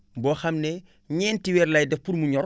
boo xam ne ñeenti weer lay def pour mu ñor